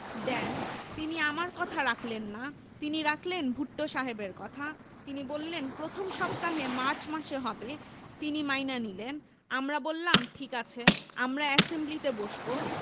দেন তিনি আমার কথা রাখলেন না তিনি রাখলেন ভুট্টো সাহেবের কথা তিনি বললেন প্রথম সপ্তাহে মার্চ মাসে হবে তিনি মাইনা নিলেন আমরা বললাম ঠিক আছে আমরা এসেম্বলিতে বসবো